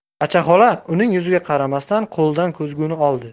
acha xola uning yuziga qaramasdan qo'lidan ko'zguni oldi